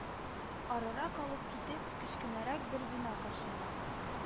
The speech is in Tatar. Арырак алып китеп, кечкенәрәк бер бина каршында